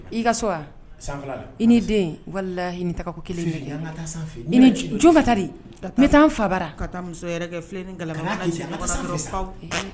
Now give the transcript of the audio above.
I ka so i ni den i kelen taa fa